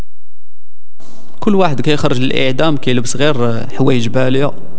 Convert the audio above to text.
كل واحد في اخر الاعدام كيلو صغير حويج باليوم